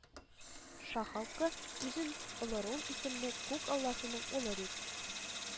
Ша халкы үзен олорун исемле күк алласының улы дип